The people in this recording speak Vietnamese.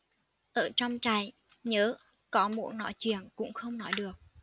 ở trong trại nhớ có muốn nói chuyện cũng không nói được